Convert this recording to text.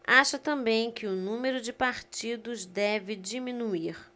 acha também que o número de partidos deve diminuir